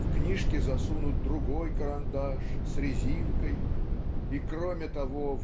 В книжке засунут другой карандаш с резинкой и кроме того